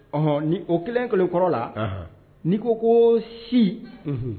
ƆHɔ ni o kelen o kelen kɔrɔ la, unhun, n'i ko ko si, unhun